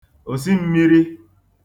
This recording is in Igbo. òsim̄mīrī